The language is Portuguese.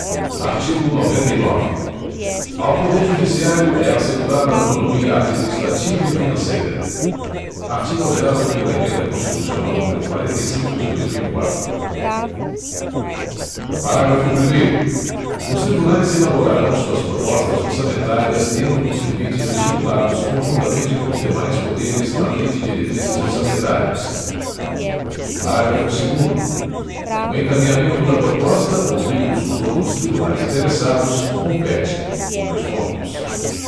artigo noventa e nove ao poder judiciário é assegurada autonomia administrativa e financeira artigo alterado pela emenda constitucional número quarenta e cinco de dois mil e quatro parágrafo primeiro os tribunais elaborarão suas propostas orçamentárias dentro dos limites estipulados conjuntamente com os demais poderes na lei de diretrizes orçamentárias parágrafo segundo o encaminhamento da proposta ouvidos os outros tribunais interessados compete dois pontos